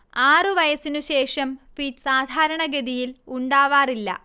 ആറു വയസ്സിനുശേഷം ഫിറ്റ്സ് സാധാരണഗതയിൽ ഉണ്ടാവാറില്ല